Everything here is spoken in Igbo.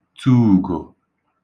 tū ùgò